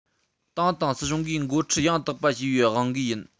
ཏང དང སྲིད གཞུང གིས འགོ ཁྲིད ཡང དག པ བྱས པའི དབང གིས ཡིན